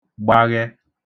gbaghe